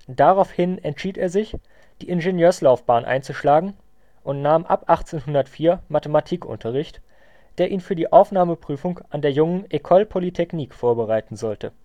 Daraufhin entschied er sich, die Ingenieurslaufbahn einzuschlagen, und nahm ab 1804 Mathematikunterricht, der ihn für die Aufnahmeprüfung an der jungen École Polytechnique vorbereiten sollte